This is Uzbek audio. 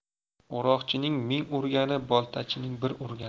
o'roqchining ming urgani boltachining bir urgani